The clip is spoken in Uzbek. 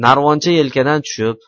narvoncha yelkadan tushib